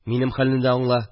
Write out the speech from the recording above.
Минем хәлне дә аңла